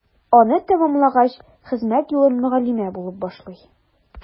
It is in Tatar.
Аны тәмамлагач, хезмәт юлын мөгаллимә булып башлый.